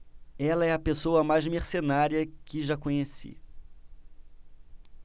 ela é a pessoa mais mercenária que já conheci